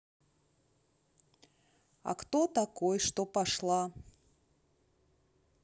а кто такой что пошла